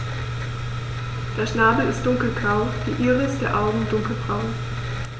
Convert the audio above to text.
Der Schnabel ist dunkelgrau, die Iris der Augen dunkelbraun.